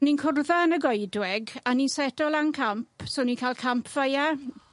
ni'n cwrdda yn y goedwig a ni'n seto lan camp, so ni'n ca'l camp fire,